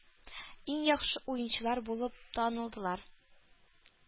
Иң яхшы уенчылар булып танылдылар.